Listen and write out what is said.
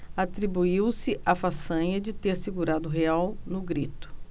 atribuiu-se a façanha de ter segurado o real no grito